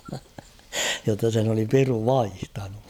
jotta sen oli piru vaihtanut